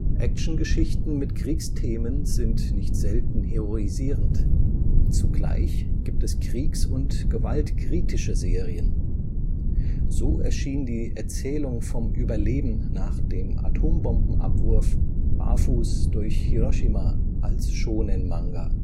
Actiongeschichten mit Kriegsthemen sind nicht selten heroisierend, zugleich gibt es kriegs - und gewaltkritische Serien. So erschien die Erzählung vom Überleben nach den Atombombenabwurf Barfuß durch Hiroshima als Shōnen-Manga